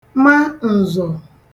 ma ǹzọ̀